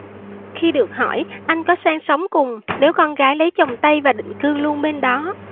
khi được hỏi anh có sang sống cùng nếu con gái lấy chồng tây và định cư luôn bên đó